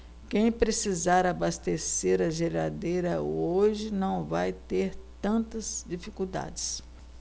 quem precisar abastecer a geladeira hoje não vai ter tantas dificuldades